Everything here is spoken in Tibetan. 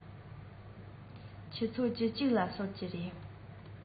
ཆུ ཚོད བཅུ གཅིག ལ གསོད ཀྱི རེད